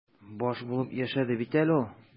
Баш булып яшәде бит әле ул.